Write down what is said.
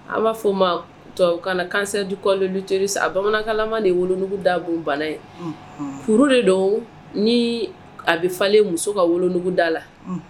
An b'a fɔ o ma tubabukan na ko cansaaire du colterusse . A bamanakan man de ye wolonugu da bon bana ye. Furu de don ni a be falen muso ka wolonugu da la